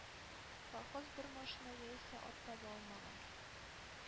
Колхоз бер машина яисә ат таба алмаган...